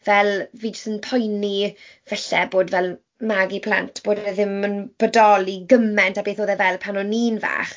Fel, fi jyst yn poeni falle bod fel magu plant, bod fe ddim yn bodoli gymaint o beth oedd e fel pan o'n i'n fach.